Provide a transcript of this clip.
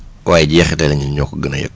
waaye jeexital yi ñun ñoo ko gën a yëg